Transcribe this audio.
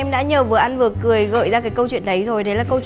em đã nhờ vừa ăn vừa cười gợi ra cái câu chuyện đấy rồi đấy là câu